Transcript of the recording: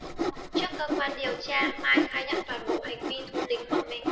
trước cơ quan điều tra mai khai nhận toàn bộ hành vi thú tính của mình